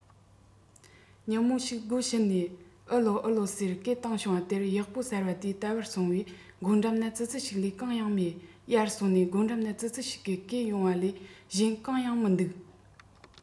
ཉི མ ཞིག སྒོའི ཕྱི ནས ཨུ ལའོ ཨུ ལའོ ཟེར སྐད བཏང བྱུང བ དེར གཡོག པོ གསར པ དེས ལྟ བར སོང བས སྒོ འགྲམ ན ཙི ཙི ཞིག ལས གང ཡང མེད ཡར སོང ནས སྒོ འགྲམ ན ཙི ཙི ཞིག གིས སྐད གཡོང བ ལས གཞན གང ཡང མི འདུག